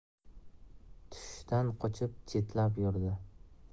tushishdan qochib chetlab yurdi